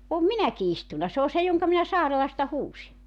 olen minäkin istunut se on se jonka minä Saarelasta huusin